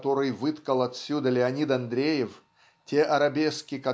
который выткал отсюда Леонид Андреев те арабески